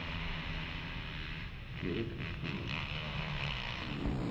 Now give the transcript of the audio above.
переключи меня